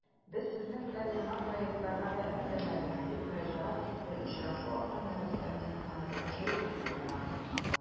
Без сезнең белән яңа проектларга да өметләнәбез, - дип мөрәҗәгать итте очрашу ахырында Рөстәм Миңнеханов Джей Литманга.